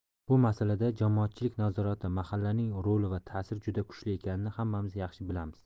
bu masalada jamoatchilik nazorati mahallaning roli va ta'siri juda kuchli ekanini hammamiz yaxshi bilamiz